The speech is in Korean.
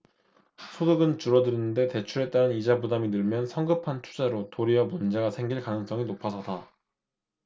소득은 줄어드는데 대출에 따른 이자 부담이 늘면 성급한 투자로 도리어 문제가 생길 가능성이 높아서다